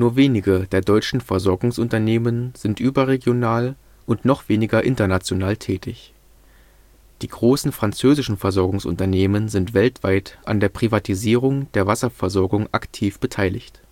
wenige der deutschen Versorgungsunternehmen sind überregional und noch weniger international tätig. Die großen französischen Versorgungsunternehmen sind weltweit an der Privatisierung der Wasserversorgung aktiv beteiligt